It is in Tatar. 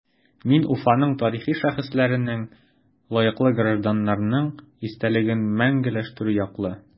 Мин Уфаның тарихи шәхесләренең, лаеклы гражданнарның истәлеген мәңгеләштерү яклы.